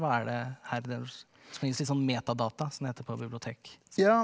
hva er det her det som gis i sånn metadata som det heter på bibliotek ?